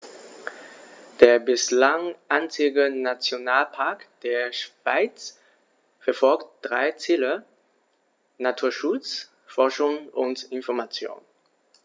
Der bislang einzige Nationalpark der Schweiz verfolgt drei Ziele: Naturschutz, Forschung und Information.